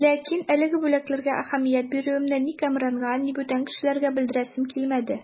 Ләкин әлеге бүләкләргә әһәмият бирүемне ни Кәмранга, ни бүтән кешегә белдерәсем килми иде.